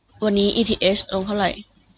วันนี้อีทีเฮชลงเท่าไหร่